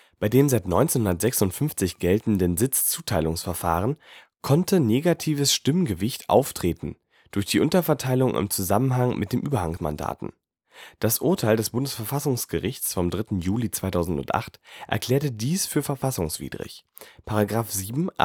Bei dem seit 1956 geltende Sitzzuteilungsverfahren konnte negatives Stimmgewicht auftreten durch die Unterverteilung im Zusammenhang mit den Überhangmandaten. Das Urteil des Bundesverfassungsgerichts vom 3. Juli 2008 erklärte dies für verfassungswidrig: § 7